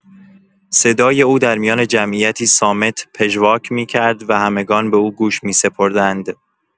صدای او در میان جمعیتی صامت پژواک می‌کرد و همگان به او گوش می‌سپردند.